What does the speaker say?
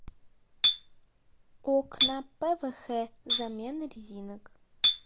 окна пвх замена резинок